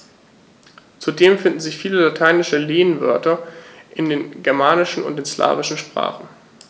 Zudem finden sich viele lateinische Lehnwörter in den germanischen und den slawischen Sprachen.